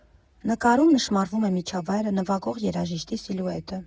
Նկարում նշմարվում է միջավայրը, նվագող երաժիշտի սիլուետը։